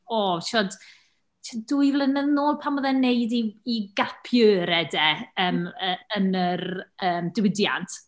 O, tibod, tua dwy flynedd yn ôl pam oedd e'n wneud ei ei gap year e de, yym yy yn yr, yym, diwydiant.